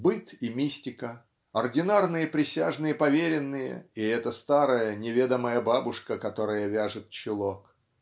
быт и мистика, ординарные присяжные поверенные и эта старая неведомая бабушка, которая вяжет чулок,